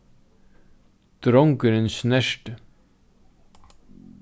drongurin snerkti